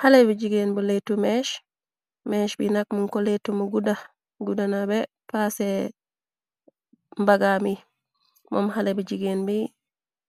xale bi jigéen bu lettu mees, megh bi nakmun ko lettu mu guda, guddana be pase mbagami, moom xale bi jigeen bi,